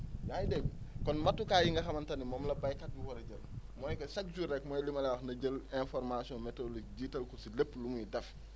yaa ngi dégg kon matukaay yi nga xamante ni moom la béykat bi war a jël mooy que chaque jour rek mooy li ma lay wax na jël information métérologique jiital ko si lépp lu muy def